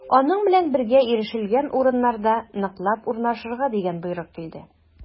Аның белән бергә ирешелгән урыннарда ныклап урнашырга дигән боерык килде.